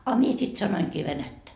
a minä sitten sanoinkin venättä